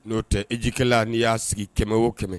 N'o tɛ hejikɛ la n'i y'a sigi 100 o 100